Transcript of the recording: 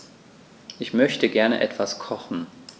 Ich möchte gerne etwas kochen.